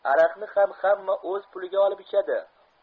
aroqni ham hamma o'z puliga olib ichadi